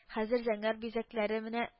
Хәзер зәңгәр бизәклеләре менә